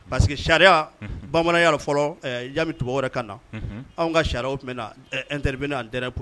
Parce que sariya bamananya fɔlɔ yami tu wɛrɛ ka na anw ka caw tun bɛ nat bɛna na n tɛp